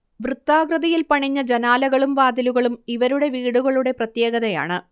വൃത്താകൃതിയിൽ പണിഞ്ഞ ജനാലകളും വാതിലുകളും ഇവരുടെ വീടുകളുടെ പ്രത്യേകതയാണ്